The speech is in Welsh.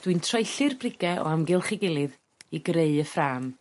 Dwi'n troelli'r brige o amgylch 'i gilydd i greu y ffrâm.